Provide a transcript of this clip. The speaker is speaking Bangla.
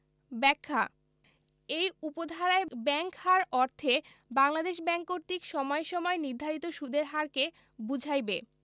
ব্যাখ্যা এই উপ ধারায় ব্যাংক হার অর্থে বাংলাদেশ ব্যাংক কর্তৃক সময় সময় নির্ধারিত সুদের হারকে বুঝাইবে